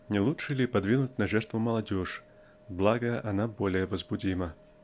Не лучше ли подвинуть на жертву молодежь, благо она более возбудима?